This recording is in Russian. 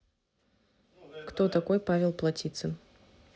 кто такой павел плотицын